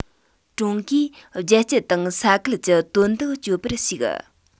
ཀྲུང གོས རྒྱལ སྤྱི དང ས ཁུལ གྱི དོན དག གཅོད པར ཞུགས